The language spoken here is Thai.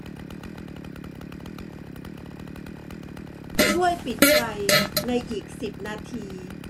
ช่วยปิดไฟในอีกสิบนาที